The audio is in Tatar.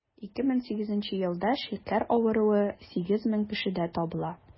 2008 елда шикәр авыруы 8 мең кешедә табыла.